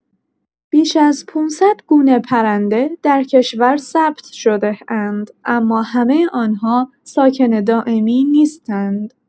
بیش از ۵۰۰ گونه پرنده در کشور ثبت شده‌اند، اما همه آن‌ها ساکن دائمی نیستند.